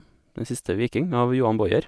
Den siste viking av Johan Bojer.